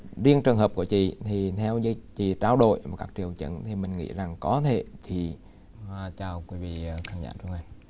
riêng trường hợp của chị thì theo như chị trao đổi với các triệu chứng thì mình nghĩ rằng có thể chị à chào quý vị khán giả trường quay